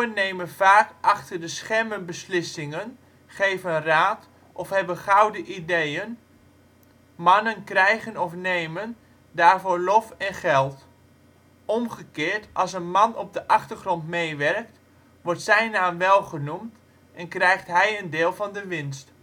nemen vaak achter de schermen beslissingen, geven raad, of hebben gouden ideeën, mannen krijgen / nemen daarvoor lof en geld. Omgekeerd, als een man op de achtergrond meewerkt wordt zijn naam wel genoemd en krijgt hij een deel van de winst